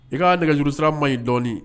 I k kaa nɛgɛjuru sira ma ye dɔɔninɔni